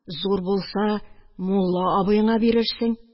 Зур булса, мулла абыеңа бирерсең